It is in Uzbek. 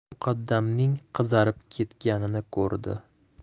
muqaddamning qizarib ketganini ko'rdi